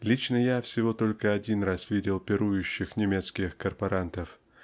Лично я всего только один раз видел пирующих немецких корпорантов.